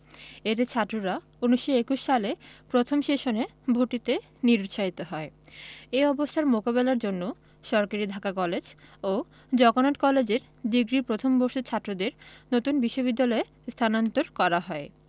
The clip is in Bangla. এতে ছাত্ররা ১৯২১ সালে প্রথম সেশনে ভর্তিতে নিরুৎসাহিত হয় এ অবস্থার মোকাবেলার জন্য সরকারি ঢাকা কলেজ ও জগন্নাথ কলেজের ডিগ্রি প্রথম বর্ষের ছাত্রদের নতুন বিশ্ববিদ্যালয়ে স্থানান্তর করা হয়